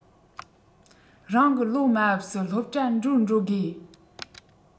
རང གི བློ མ བབས སུ སློབ གྲྭ འགྲོ འགྲོ དགོས